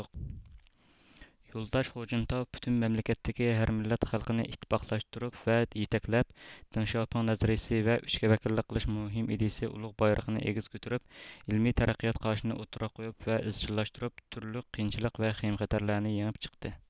يولداش خۇجىنتاۋ پۈتۈن مەملىكەتتىكى ھەر مىللەت خەلقنى ئىتتىپاقلاشتۇرۇپ ۋە يېتەكلەپ دېڭشياۋپىڭ نەزەرىيىسى ۋە ئۈچكە ۋەكىللىك قىلىش مۇھىم ئىدىيىسى ئۇلۇغ بايرىقىنى ئېگىز كۆتۈرۈپ ئىلمىي تەرەققىيات قارىشىنى ئوتتۇرىغا قويۇپ ۋە ئىزچىللاشتۇرۇپ تۈرلۈك قىيىنچىلىق ۋە خېيمخەتەرلەرنى يېڭىپ چىقتى